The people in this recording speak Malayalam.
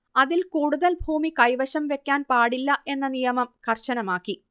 അതിൽ കൂടുതൽ ഭൂമി കൈവശം വെക്കാൻ പാടില്ല എന്ന നിയമം കർശനമാക്കി